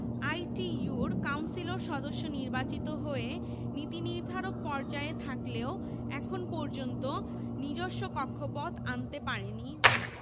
আইটিইউর councillor সদস্য নির্বাচিত হয়ে নীতিনির্ধারক পর্যায়ে থাকলেও এখন পর্যন্ত নিজস্ব কক্ষপথ আনতে পারেনি